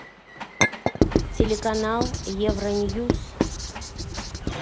телеканал евроньюс